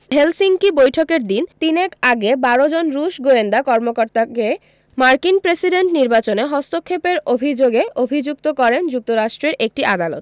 Helsinki বৈঠকের দিন তিনেক আগে ১২ জন রুশ গোয়েন্দা কর্মকর্তাকে মার্কিন প্রেসিডেন্ট নির্বাচনে হস্তক্ষেপের অভিযোগে অভিযুক্ত করেন যুক্তরাষ্ট্রের একটি আদালত